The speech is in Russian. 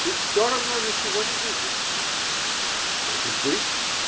Ведь все равно -- ничего не выйдет. -- Может быть.